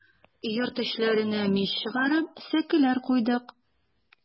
Йорт эчләренә мич чыгарып, сәкеләр куйдык.